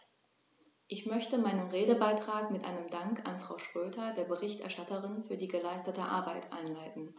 Ich möchte meinen Redebeitrag mit einem Dank an Frau Schroedter, der Berichterstatterin, für die geleistete Arbeit einleiten.